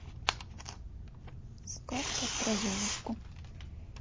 сказка про золушку